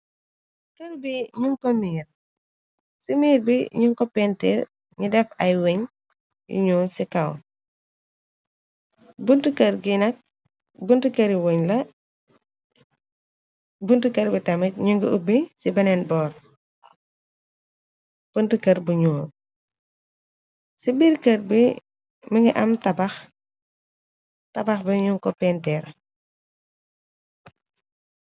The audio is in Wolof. Kërr bi ñu ko miir ci miir bi ñu ko pintir ni def ay weñ yu ñyul ci kaw buntu kër gi nak buntu këri wuñ la bunt kër bi tamik ñu ngi ubbi ci beneen boor buntu kër bu ñyul ci biir kër bi mi nga am aaxtabax bi ñu ko pentir.